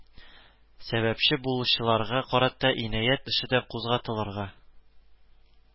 Сәбәпче булучыларга карата инаять эше дә кузгатылырга